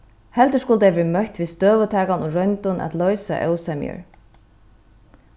heldur skuldu tey verið møtt við støðutakan og royndum at loysa ósemjur